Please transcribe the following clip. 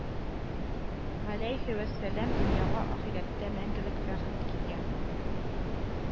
Галәйһи вәссәлам дөньяга ахирәттә мәңгелек бәхет килгән